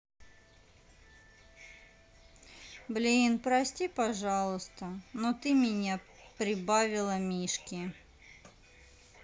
блин прости пожалуйста но ты меня прибавила мишки